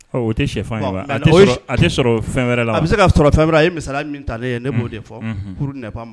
O tɛ a wɛrɛ la a bɛ se ka sɔrɔ fɛn a ye misala min ta ye ne'o de fɔ